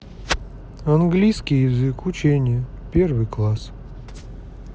английский язык учение первый класс